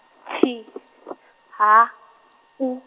T, H, U.